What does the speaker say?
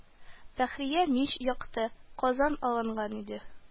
Бәхрия мич якты, казан алынган иде